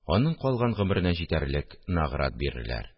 Аның калган гомеренә җитәрлек награт бирерләр